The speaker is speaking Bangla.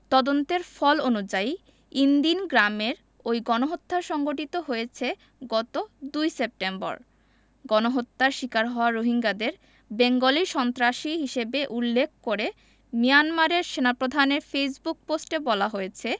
তদন্তের ফল অনুযায়ী ইনদিন গ্রামের ওই গণহত্যা সংঘটিত হয়েছে গত ২ সেপ্টেম্বর গণহত্যার শিকার হওয়া রোহিঙ্গাদের বেঙ্গলি সন্ত্রাসী হিসেবে উল্লেখ করে মিয়ানমারের সেনাপ্রধানের ফেসবুক পোস্টে বলা হয়েছে